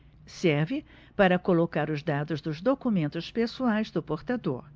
serve para colocar os dados dos documentos pessoais do portador